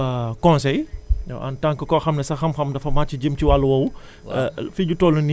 léegi nag ci wàllub conseil yow en tant que koo xam ne sa xam-xam dafa màcc ci jëm ci wàll woowu